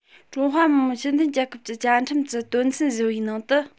ཀྲུང ཧྭ མི དམངས སྤྱི མཐུན རྒྱལ ཁབ ཀྱི བཅའ ཁྲིམས ཀྱི དོན ཚན བཞི པའི ནང དུ